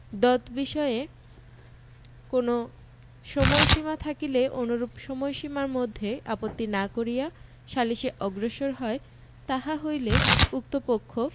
দতবিষয়ে কোন সময়সীমা থাকিলে অনুরূপ সময়সীমার মধ্যে আপত্তি না করিয়া সালিসে অগ্রসর হয় তাহা হইলে উক্ত পক্ষ